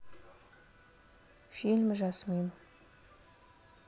фильм жасмин